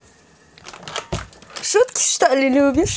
шутки что ли любишь